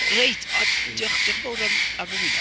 Reit, o, diolch yn fawr am am ymuno.